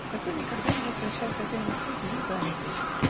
зато никогда не возвращал хозяину книги, им занятой.